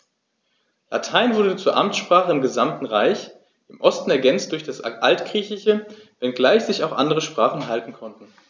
Latein wurde zur Amtssprache im gesamten Reich (im Osten ergänzt durch das Altgriechische), wenngleich sich auch andere Sprachen halten konnten.